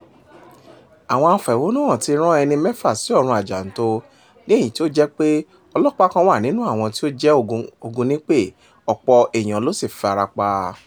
Àwọn afẹ̀hónúhàn ti rán ẹni mẹ́fà sí ọ̀run àjànto, ní èyí tí ó jẹ́ pé ọlọ́pàá kan wà nínúu àwọn tí ó jẹ́ Ògún nípè, ọ̀pọ̀ èèyàn ló sì fi ara pa.